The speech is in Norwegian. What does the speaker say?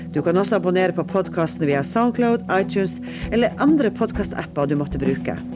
du kan også abonnere på podkasten via Soundcloud iTunes eller andre podkastapper du måtte bruke.